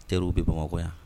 Terir u bɛ bamakɔ yan